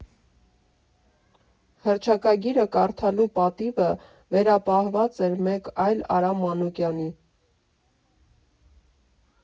Հռչակագիրը կարդալու պատիվը վերապահված էր մեկ այլ Արամ Մանուկյանի։